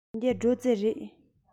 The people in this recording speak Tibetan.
འདི སྒྲོག རྩེ རེད